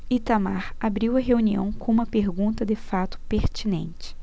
itamar abriu a reunião com uma pergunta de fato pertinente